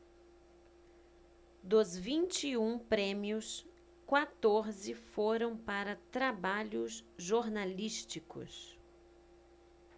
dos vinte e um prêmios quatorze foram para trabalhos jornalísticos